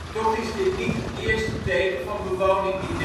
Toch is dit niet het eerste teken van bewoning in